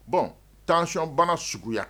Bɔn tcɔn banna suguya